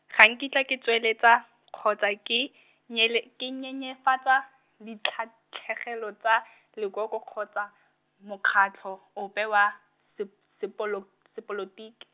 ga nkitla ke tsweletsa, kgotsa ke, nyele ke nyenyefatsa, dikgatlhegelo tsa, lekoko kgotsa, mokgatlho ope wa, sep- sepolo-, sepolotiki.